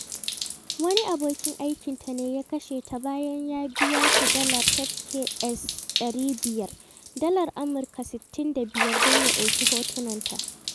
Wani abokin aikinta ne ya kashe ta, bayan ya biya ta Dala HK$500 (Dalar Amurka 65) don ya ɗauki hotunanta.